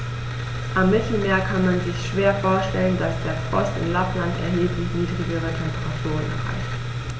Am Mittelmeer kann man sich schwer vorstellen, dass der Frost in Lappland erheblich niedrigere Temperaturen erreicht.